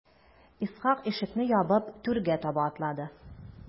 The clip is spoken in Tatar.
Исхак ишекне ябып түргә таба атлады.